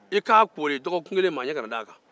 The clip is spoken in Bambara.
i k'a kooli dɔgɔkun kelen mɔgɔ ɲɛ kana da a kan